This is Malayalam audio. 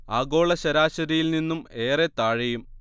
ആഗോള ശരാശരിയിൽ നിന്നും ഏറെ താഴെയും